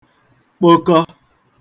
kpokọ